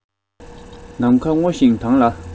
ནམ མཁའ སྔོ ཞིང དྭངས ལ